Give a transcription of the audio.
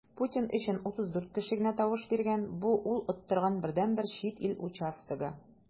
Путин өчен 34 кеше генә тавыш биргән - бу ул оттырган бердәнбер чит ил участогы.